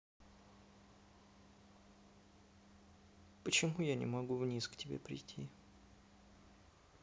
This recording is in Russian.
почему я не могу вниз к тебе прийти